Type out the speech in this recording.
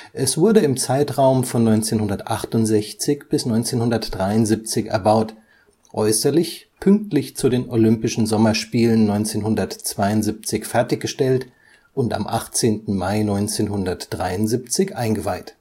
Es wurde im Zeitraum von 1968 bis 1973 erbaut, äußerlich pünktlich zu den Olympischen Sommerspielen 1972 fertiggestellt und am 18. Mai 1973 eingeweiht